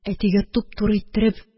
Әтигә туп-тугры иттереп